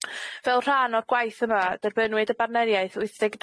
Fel rhan o'r gwaith yma derbynwyd y bardneriaeth wyth deg